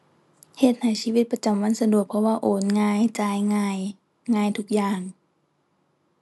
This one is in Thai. เฮ็ดให้ชีวิตประจำวันสะดวก เพราะว่าโอนง่าย จ่ายง่าย ง่ายทุกอย่าง